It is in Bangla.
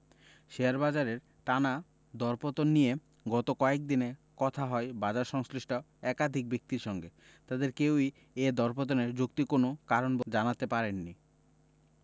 শেয়ার বাজারের টানা দরপতন নিয়ে গত কয়েক দিনে কথা হয় বাজারসংশ্লিষ্ট একাধিক ব্যক্তির সঙ্গে তাঁদের কেউই এ দরপতনের যৌক্তিক কোনো কারণ জানাতে পারেননি